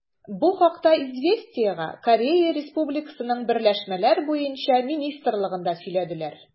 Бу хакта «Известия»гә Корея Республикасының берләшмәләр буенча министрлыгында сөйләделәр.